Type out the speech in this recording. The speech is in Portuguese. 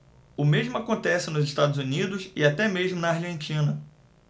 o mesmo acontece nos estados unidos e até mesmo na argentina